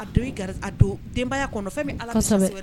Denbaya fɛn